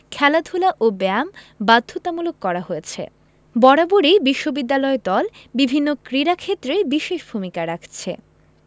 খেলাধুলা ও ব্যায়াম বাধ্যতামূলক করা হয়েছে বরাবরই বিশ্ববিদ্যালয় দল বিভিন্ন ক্রীড়াক্ষেত্রে বিশেষ ভূমিকা রাখছে